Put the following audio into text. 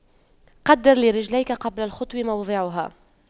قَدِّرْ لِرِجْلِكَ قبل الخطو موضعها